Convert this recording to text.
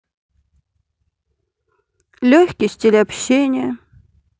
легкий стиль общения